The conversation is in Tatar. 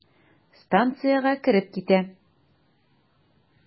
Станциягә кереп китә.